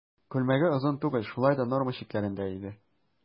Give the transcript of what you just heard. Күлмәге озын түгел, шулай да норма чикләрендә иде.